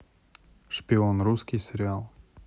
шпион русский сериал